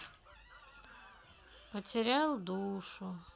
потерял душу